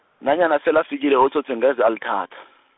nanyana selafikile utsotsi angeze alithatha.